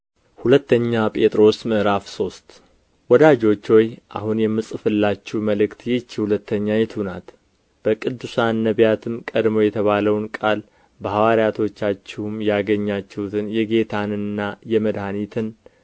ሁለተኛ ጴጥሮስ ምዕራፍ ሶስት ወዳጆች ሆይ አሁን የምጽፍላችሁ መልእክት ይህች ሁለተኛይቱ ናት በቅዱሳን ነቢያትም ቀድሞ የተባለውን ቃል በሐዋርያቶቻችሁም ያገኛችኋትን የጌታንና የመድኃኒትን